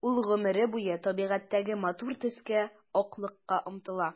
Ул гомере буе табигатьтәге матур төскә— аклыкка омтыла.